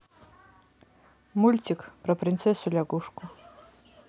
мультик про принцессу лягушку